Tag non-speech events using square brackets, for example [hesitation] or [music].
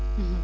[hesitation] [hesitation]